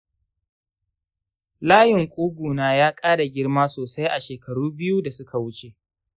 layin ƙugu na ya ƙara girma sosai a shekaru biyu da suka wuce